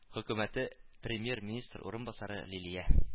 Хөкүмәте Премьер-министры урынбасары Лилия